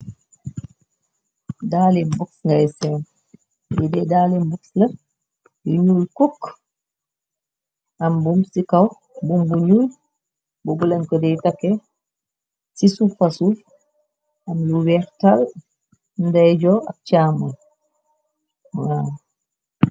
Daaleen bux ngay sen, yi de daalen buxla, yuñuy cukk, am bum ci kaw, bum bu ñuñ, bu bulañko rey takke, ci suuffa suuf am lu weex tal, nday joo ak caamun.